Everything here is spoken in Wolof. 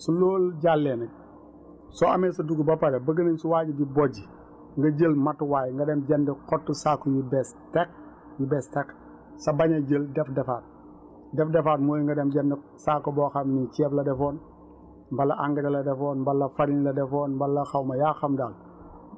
su loolu jàllee nag soo amee sa dugub ba pare bëgg nañ su waa ji di bojj nga jël matuwaay nga dem jënd xottu saako yu bees tàq yu bees tàq sa bañ a jël def defaat def defaat mooy nga dem jënd saako boo xam ni ceeb la defoon wala engrais la defoon wala fariñ la defoon wala xaw ma yaa xam daal